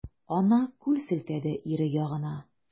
Ана кул селтәде ире ягына.